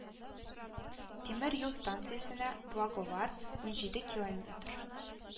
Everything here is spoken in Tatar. Тимер юл станциясенә благовар : унҗиде километр